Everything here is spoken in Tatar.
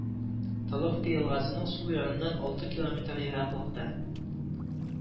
Таловка елгасының сул ярыннан алты километр ераклыкта